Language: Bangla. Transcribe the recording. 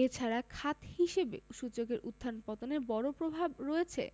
এ ছাড়া খাত হিসেবে সূচকের উত্থান পতনে বড় প্রভাব রয়েছে